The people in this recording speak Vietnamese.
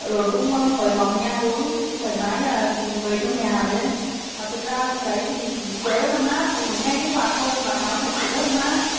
rồi cũng mời mọc mình ăn uống thoải mái như là người trong nhà về đấy mà thực ra hôm đấy thì trời rất là mát mình ngồi ngay cái quạt luôn mặc áo thật sự rất mát